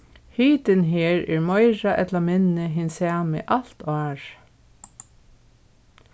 hitin her er meira ella minni hin sami alt árið